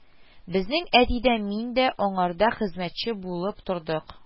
Безнең әти дә, мин дә аңарда хезмәтче булып тордык